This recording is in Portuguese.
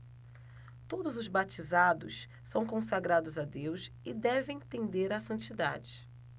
todos os batizados são consagrados a deus e devem tender à santidade